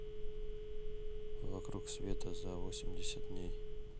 вокруг вокруг света за восемьдесят дней